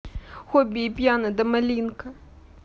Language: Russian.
хобби и пьяна до малинка